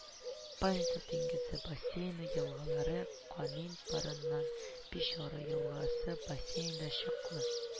Баренцев диңгезе бассейны елгалары Канин борынынан Печора елгасы бассейнына чаклы